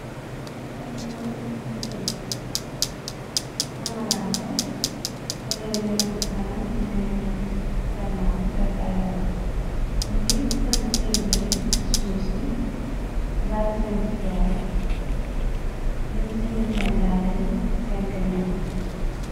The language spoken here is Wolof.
Ay góor ñi ngi julle rangalante ñenee ni nekk ci kanam ñeneeni nekk ci kannaw def ay ran ñi ngi sëgg seen gébbe ci suuf si lal seen si jaate ñi ngi simi seen dallei ci seen gennoow.